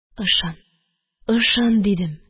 – ышан, ышан! – дидем